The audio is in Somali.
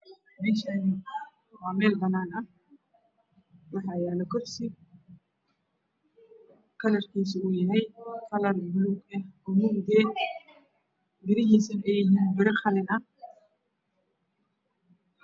Meshan waa mel banan ah waxa kursi kalarkisa yahay baluug oo mugdi ah birahisa yiin qalin